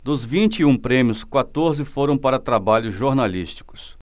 dos vinte e um prêmios quatorze foram para trabalhos jornalísticos